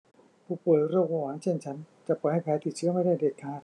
ผู้ป่วยโรคเบาหวานเช่นฉันจะปล่อยให้แผลติดเชื้อไม่ได้เด็ดขาด